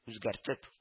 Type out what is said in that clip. Үзгәртеп